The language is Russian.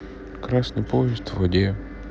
красный поезд в воде